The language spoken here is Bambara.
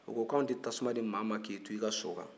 u ko ko anw tɛ tasuma di mɔgɔ ma k'i to i ka so kan